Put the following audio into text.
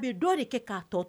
A dɔ de kɛ k'